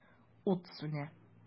Ут сүнә.